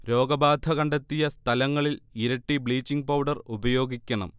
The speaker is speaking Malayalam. രോഗബാധ കണ്ടെത്തിയ സ്ഥലങ്ങളിൽ ഇരട്ടി ബ്ലീച്ചിങ് പൗഡർ ഉപയോഗിക്കണം